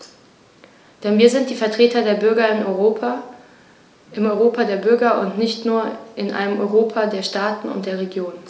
Denn wir sind die Vertreter der Bürger im Europa der Bürger und nicht nur in einem Europa der Staaten und der Regionen.